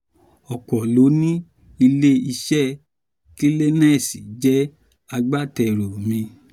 ”Ọ̀pọ̀ ló ní ile-iṣẹ́ Kleenex jẹ́ agbátẹrù mi.